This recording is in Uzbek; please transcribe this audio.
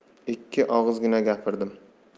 ikki og'izgina gapirdim